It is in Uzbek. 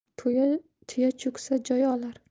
tuya cho'ksa joy olar